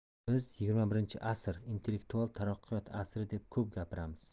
biz xxi asr intellektual taraqqiyot asri deb ko'p gapiramiz